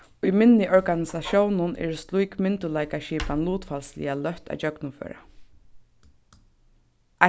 í minni organisatiónum er slík myndugleikaskipan lutfalsliga løtt at gjøgnumføra